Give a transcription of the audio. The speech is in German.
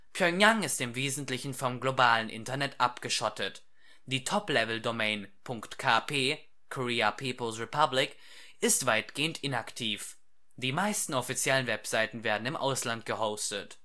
Pjöngjang ist im Wesentlichen vom globalen Internet abgeschottet. Die Top-Level-Domain. kp (" Korea - People 's Republic ") ist weitgehend inaktiv. Die meisten offiziellen Webseiten werden im Ausland gehostet